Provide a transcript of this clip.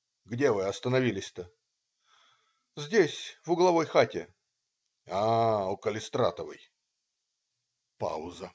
"Где вы остановились-то?" - "Здесь, в угловой хате". -"А, у Калистратовой. " Пауза.